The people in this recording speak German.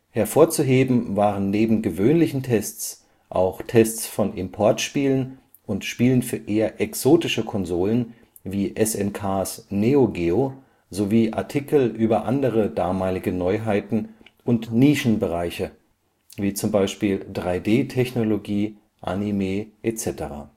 Hervorzuheben waren neben gewöhnlichen Tests auch Tests von Importspielen und Spielen für eher exotische Konsolen wie SNKs Neo Geo sowie Artikel über andere damalige Neuheiten und Nischenbereiche (3D-Technologie, Anime, etc.